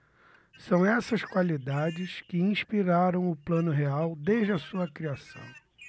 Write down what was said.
são essas qualidades que inspiraram o plano real desde a sua criação